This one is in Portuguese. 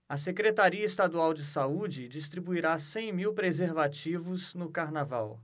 a secretaria estadual de saúde distribuirá cem mil preservativos no carnaval